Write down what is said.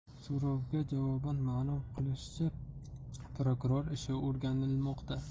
so'rovga javoban ma'lum qilishicha prokuror ishi o'rganilmoqda